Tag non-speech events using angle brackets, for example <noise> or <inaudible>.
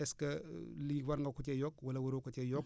est ce que <hesitation> lii war nga ko cee yokk wala waroo ko cee yokk